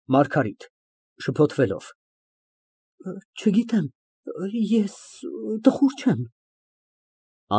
ՄԱՐԳԱՐԻՏ ֊ (Շփոթվելով) Չգիտեմ… ես… տխուր չեմ։